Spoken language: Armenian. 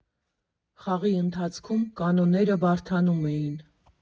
Խաղի ընթացքում կանոնները բարդանում էին.